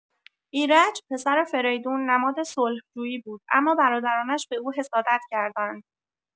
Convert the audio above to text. ایرج، پسر فریدون، نماد صلح‌جویی بود اما برادرانش به او حسادت کردند.